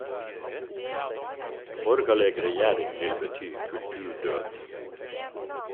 Borgarleg regjering vil bety kulturdød.